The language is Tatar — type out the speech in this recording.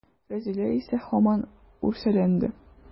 Рәзилә исә һаман үрсәләнде.